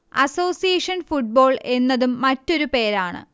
association football എന്നതും മറ്റൊരു പേരാണ്